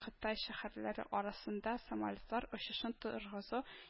Кытай шәһәрләре арасында самолетлар очышын торгызу